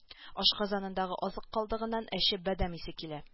Ашказанындагы азык калдыгыннан әче бадәм исе килә